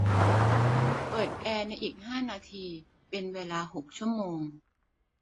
เปิดแอร์ในอีกห้านาทีเป็นเวลาหกชั่วโมง